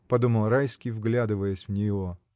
— подумал Райский, вглядываясь в него.